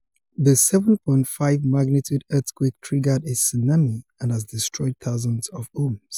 The 7.5-magnitude earthquake triggered a tsunami and has destroyed thousands of homes.